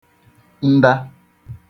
nda